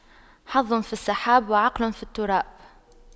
حظ في السحاب وعقل في التراب